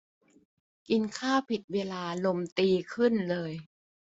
กินข้าวผิดเวลาลมตีขึ้นเลย